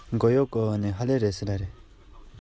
འོ མ ལྡག མཚམས བཞག ནས